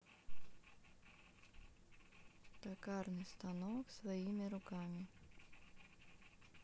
токарный станок своими руками